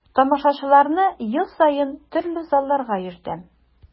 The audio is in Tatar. Тамашачыларны ел саен төрле залларга йөртәм.